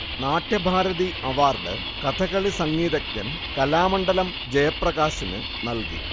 Natyabharati award Kathakali സംഗീതജ്ഞൻ കലാമണ്ഡലം ജയപ്രകാശിന് നൽകി